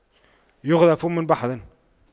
يَغْرِفُ من بحر